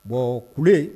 Bon kule